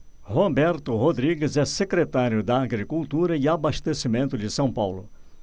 roberto rodrigues é secretário da agricultura e abastecimento de são paulo